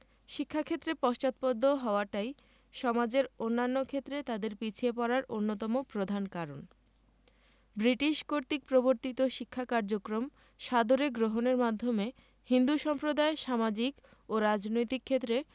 শিক্ষাক্ষেত্রে পশ্চাৎপদ হওয়াটাই সমাজের অন্যান্য ক্ষেত্রে তাদের পিছিয়ে পড়ার অন্যতম প্রধান কারণ ব্রিটিশ কর্তৃক প্রবর্তিত শিক্ষা কার্যক্রম সাদরে গ্রহণের মাধ্যমে হিন্দু সম্প্রদায় সামাজিক ও রাজনৈতিক ক্ষেত্রে